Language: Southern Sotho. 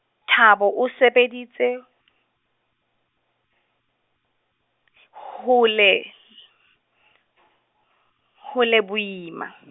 Thabo o sebeditse , ho le , ho le boima.